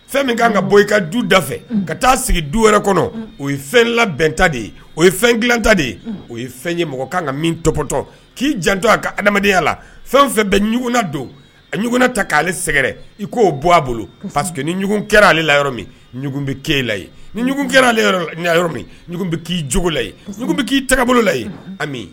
Fɛn min kan ka bɔ i ka du da fɛ ka taa sigi du wɛrɛ kɔnɔ o ye fɛn la bɛn ta de ye o ye fɛn dila ta de ye o ye fɛn ye mɔgɔ kan ka min tɔptɔ k'i jantɔ a ka adamadenyaya la fɛn fɛn bɛ ɲɔgɔn don a ɲɔgɔnna ta k'ale sɛgɛrɛ i k'o bɔ a bolo ni ɲɔgɔn kɛra ale la yɔrɔ min bɛ ke la ni kɛra yɔrɔ k'i cogo la bɛ k'i ta bololayi